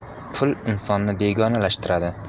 pul insonni begonalashtiradi